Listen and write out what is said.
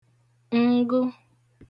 ngu